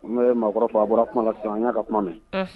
N ye maakɔrɔ fɔ a bɔra kuma na sisan an y' ka kuma min